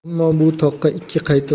ammo bu toqqa ikki qayta